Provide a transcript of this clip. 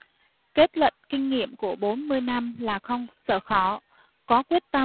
kết luận kinh nghiệm của bốn mươi năm là không sợ khó có quyết tâm